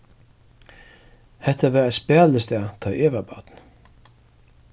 hetta var eitt spælistað tá ið eg var barn